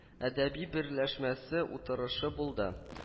Әдәби берләшмәсе утырышы булды